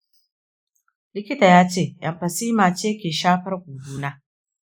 likita ya ce emphysema ce ke shafar huhuna.